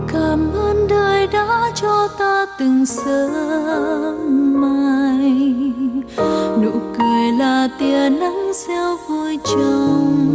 cảm ơn đời đã cho ta từng sớm mai nụ cười là tia nắng gieo vui trong